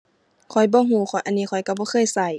ข้อยบ่รู้ ข้อย อันนี้ข้อยรู้บ่เคยรู้